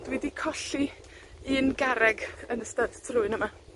Dwi 'di colli un garreg yn y styd trwyn yma.